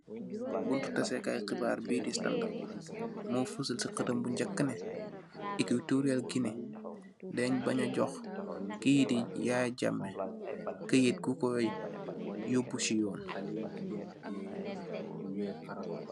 Buntu tasseh Kai xibarr yi di Standard mo fasal ci xatam gu njak neh Equatorial Guinea dajj baña jox ki di Yaya Jammeh kayit geekoi yobu ci yon.